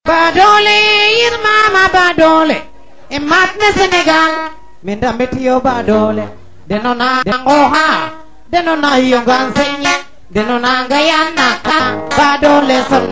point 5 FM i ndalfooxo ndoq kam saate fe koy pisale o Diarekh bo ndiik ndalfooxo mbida xoxxox we o ndeta ngaan koy no waxtu feeke i toloox na kum i leyta ten refu a qooq wala